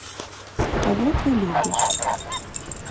кого ты любишь